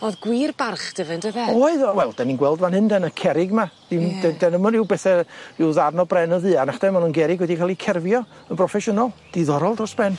O'dd gwir barch 'dy fe yndyfe? Oedd o- wel 'dyn ni'n gweld fan 'yn de yn y cerrig 'ma. Ie. 'Dyn 'dyn nw'm yn ryw bethe ryw ddarn o bren yn fuan nachdi ma' nw'n gerrig wedi ca'l 'u cerfio y' broffesiynol, diddorol dros ben.